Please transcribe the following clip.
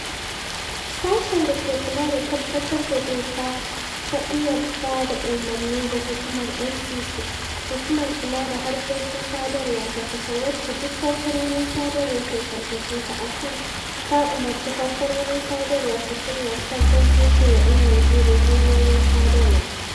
Sashen da ke kula da tabbatar da doka ka'iya ba da umarni ga Hukumar NCC [Hukumar Kula da Harkokin Sadrwa ta ƙasa - wacce duk kamfanonin sadarwa ke ƙarƙashinta] a kan ta umarci kamfanonin sadarwar su shirya tsaf don toshewa 'yan Nijeriya hanyoyin sadarwa.